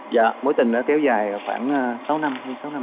dạ mối tình đó kéo dài khoảng sáu năm hơn sáu năm